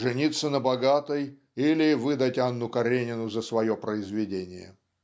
жениться на богатой или выдать "Анну Каренину" за свое произведение".